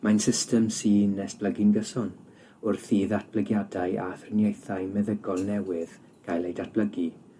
Mae'n system sy'n esblygu'n gyson wrth i ddatblygiadau a thriniaethau meddygol newydd gael eu datblygu